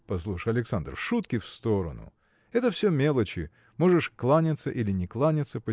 – Послушай, Александр, шутки в сторону. Это все мелочи можешь кланяться или не кланяться